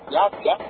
' filɛ